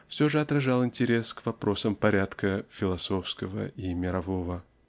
все же отражал интерес к вопросам порядка философского и мирового.